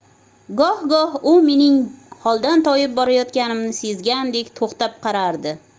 goh goh u mening holdan toyib borayotganimni sezgandek to'xtab qarardi